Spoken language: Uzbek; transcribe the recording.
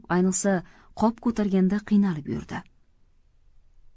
ayniqsa qop ko'targanda qiynalib yurdi